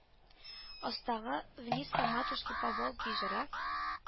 Астагы “Вниз по матушке по Волге“ җыры